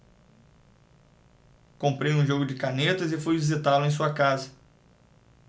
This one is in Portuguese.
comprei um jogo de canetas e fui visitá-lo em sua casa